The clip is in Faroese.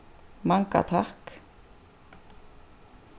manga takk